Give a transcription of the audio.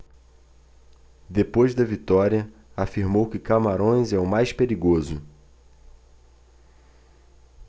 depois da vitória afirmou que camarões é o mais perigoso